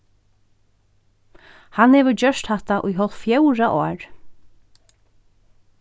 hann hevur gjørt hatta í hálvt fjórða ár